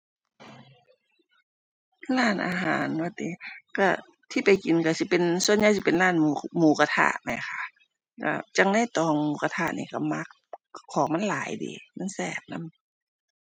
ร้านอาหารว่าติ ก็ ที่ไปกินก็สิเป็น ส่วนใหญ่สิเป็นร้านหมู หมูกระทะแหมค่ะ เอ่อ จั่งนายตองหมูกระทะนี่ก็มัก ของมันหลายดี มันแซ่บนำ